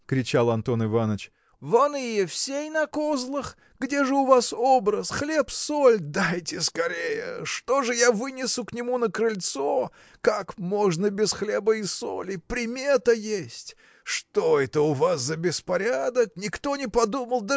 – кричал Антон Иваныч, – вон и Евсей на козлах! Где же у вас образ, хлеб-соль? Дайте скорее! Что же я вынесу к нему на крыльцо? Как можно без хлеба и соли? примета есть. Что это у вас за беспорядок! никто не подумал!